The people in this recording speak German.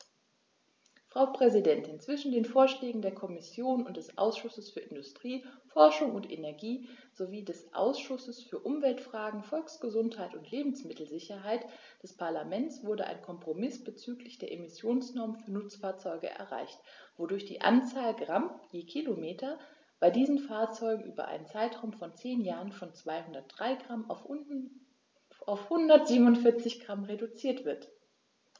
Frau Präsidentin, zwischen den Vorschlägen der Kommission und des Ausschusses für Industrie, Forschung und Energie sowie des Ausschusses für Umweltfragen, Volksgesundheit und Lebensmittelsicherheit des Parlaments wurde ein Kompromiss bezüglich der Emissionsnormen für Nutzfahrzeuge erreicht, wodurch die Anzahl Gramm je Kilometer bei diesen Fahrzeugen über einen Zeitraum von zehn Jahren von 203 g auf 147 g reduziert wird.